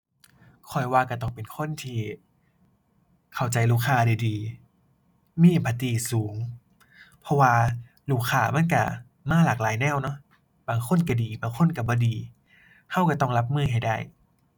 ข้อยว่าก็ต้องเป็นคนที่เข้าใจลูกค้าได้ดี มี empathy สูง เพราะว่าลูกค้ามันก็มาหลากหลายแนวเนาะ บางคนก็ดีบางคนก็บ่ดี ก็ก็ต้องรับมือให้ได้